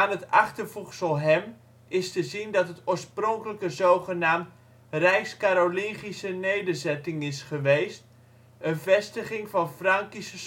het achtervoegsel - hem - is te zien dat het oorspronkelijk een zgn. Rijkskarolingische nederzetting is geweest, een vestiging van Frankische